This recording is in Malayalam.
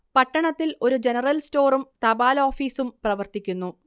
പട്ടണത്തിൽ ഒരു ജനറൽ സ്റ്റോറും തപാലോഫീസും പ്രവർത്തിക്കുന്നു